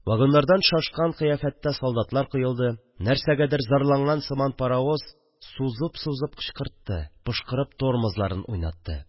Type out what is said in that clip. Вагоннардан шашкан кыяфәттә солдатлар коелды, нәрсәгәдер зарланган сыман паровоз сузып-сузып кычкыртты, пошкырып тормозларын уйнатты